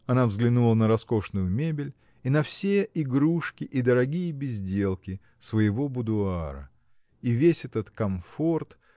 Она взглянула на роскошную мебель и на все игрушки и дорогие безделки своего будуара – и весь этот комфорт